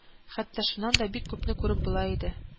Хәтта шуннан да бик күпне күреп була иде